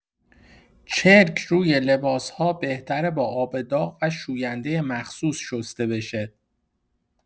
چرک روی لباس‌ها بهتره با آب داغ و شوینده مخصوص شسته بشه.